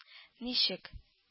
— ничек